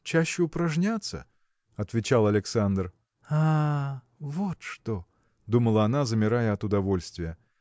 – Чаще упражняться, – отвечал Александр. А, вот что! – думала она замирая от удовольствия